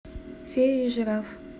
фея и жираф